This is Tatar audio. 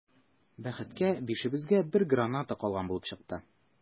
Бәхеткә, бишебезгә бер граната калган булып чыкты.